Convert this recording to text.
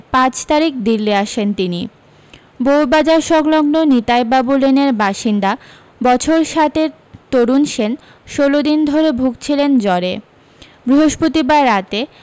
পাঁচ তারিখ দিল্লী আসেন তিনি বউবাজার সংলগ্ন নিতাইবাবু লেনের বাসিন্দা বছর ষাটের তরুণ সেন ষোলো দিন ধরে ভুগছিলেন জবরে বৃহস্পতিবার রাতে